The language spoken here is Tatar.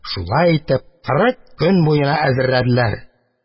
Шулай итеп, кырык көн буена әзерләделәр.